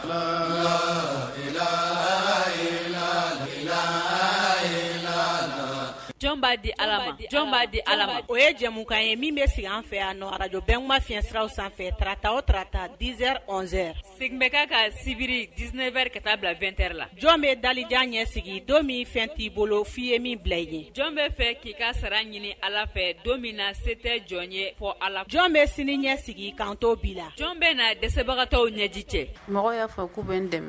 'a di di ala o ye jamumukan ye min bɛ sigi an fɛ yanjɔ bɛɛ ma fiɲɛsiraw sanfɛ tata o tata diz z sen bɛ ka ka sibiri dsinɛ wɛrɛ ka taa bila2t la jɔn bɛ dalijan ɲɛ sigi don min fɛn t'i bolo f'i ye min bila i ye jɔn bɛ fɛ k' ii ka sara ɲini ala fɛ don min na se tɛ jɔn ye fɔ a la jɔn bɛ sini ɲɛ sigi kan tɔw bi la jɔn bɛ na dɛsɛbagatɔw ɲɛji cɛ mɔgɔ y'a bɛ dɛmɛ